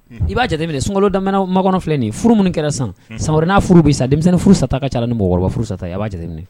I b'a jateminɛ sunda makɔnɔ filɛ nin furu minnu kɛra san sama wɛrɛ n'a furuuru bɛ sa denmisɛnninmi furu sata ka ca ni mɔgɔkɔrɔba furu sata i b'a jate